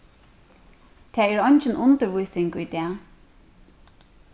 tað er eingin undirvísing í dag